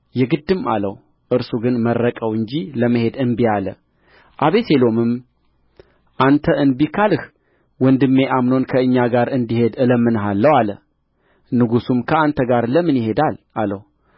የግድም አለው እርሱ ግን መረቀው እንጂ ለመሄድ እንቢ አለ አቤሴሎምም አንተ እንቢ ካልህ ወንድሜ አምኖን ከእኛ ጋር እንዲሄድ እለምንሃለሁ አለ ንጉሡም ከአንተ ጋር ለምን ይሄዳል አለው